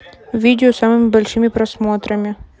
видео с самыми большими просмотрами